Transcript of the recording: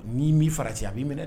N'i min fara a b'i minɛ dɛ